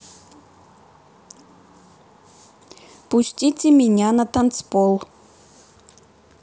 пустите меня на танцпол